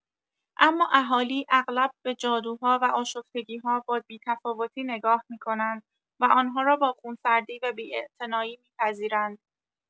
اما اهالی اغلب به جادوها و آشفتگی‌ها با بی‌تفاوتی نگاه می‌کنند و آن‌ها را با خونسردی و بی‌اعتنایی می‌پذیرند.